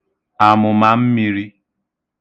àmụ̀màmmīrī